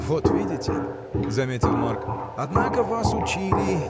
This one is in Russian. — Вот видите, — заметил Марк, — однако вас учили